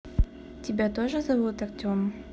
тебя тоже зовут артем